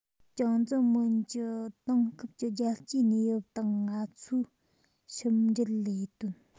ཅང ཙེ རྨིན གྱི དེང སྐབས ཀྱི རྒྱལ སྤྱིའི གནས བབ དང ང ཚོའི ཕྱི འབྲེལ ལས དོན